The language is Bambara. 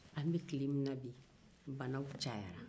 an bɛ tile min na bi banaw caya la